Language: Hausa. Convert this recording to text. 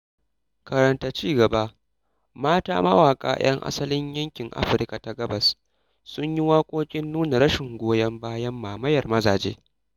Karanta cigaba: Mata mawaƙa 'yan asalin yankin Afirka ta Gabas sun yi waƙoƙin nuna rashin goyon bayan mamayar mazaje.